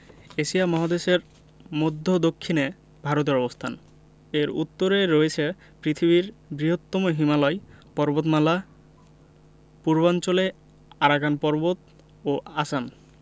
Asia মহাদেশের মদ্ধ্য দক্ষিনে ভারতের অবস্থান এর উত্তরে রয়েছে পৃথিবীর বৃহত্তম হিমালয় পর্বতমালা পূর্বাঞ্চলে আরাকান পর্বত ও আসাম